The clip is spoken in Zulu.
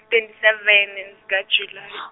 twenty seven zika July .